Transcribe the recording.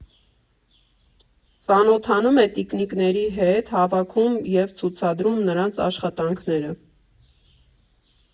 Ծանոթանում է տիկնիկագործների հետ, հավաքում և ցուցադրում նրանց աշխատանքները։